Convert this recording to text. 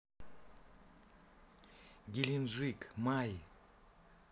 геленджик май